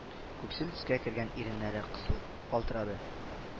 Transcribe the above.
Күксел төскә кергән иреннәре кысыл калтыранды